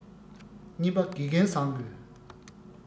གཉིས པ དགེ རྒན བཟང དགོས